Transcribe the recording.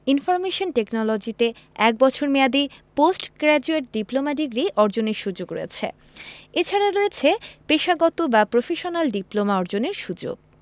information টেকনোলজিতে এক বছর মেয়াদি পোস্ট গ্রাজুয়েট ডিপ্লোমা ডিগ্রি অর্জনের সুযোগ রয়েছে এছাড়া রয়েছে পেশাগত বা প্রফেশনাল ডিপ্লোমা অর্জনের সুযোগ